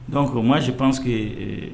Dɔnku ko masi panseke que